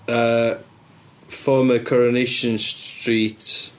Yym former Coronation Street,